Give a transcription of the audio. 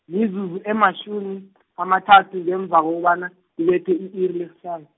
mizuzu ematjhumi, amathathu ngemva kokobana, kubethe i-iri lesihlanu.